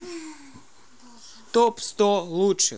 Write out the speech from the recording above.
топ сто лучших